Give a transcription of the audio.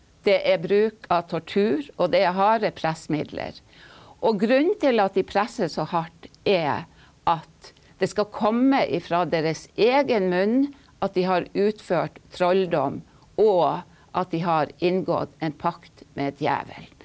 det er bruk av tortur og det er harde pressmidler, og grunnen til at de presser så hardt er at det skal komme ifra deres egen munn at de har utført trolldom og at de har inngått en pakt med djevelen.